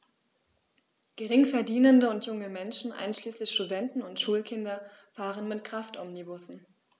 Geringverdienende und junge Menschen, einschließlich Studenten und Schulkinder, fahren mit Kraftomnibussen.